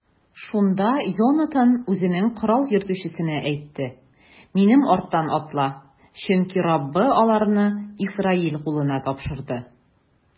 Шунда Йонатан үзенең корал йөртүчесенә әйтте: минем арттан атла, чөнки Раббы аларны Исраил кулына тапшырды.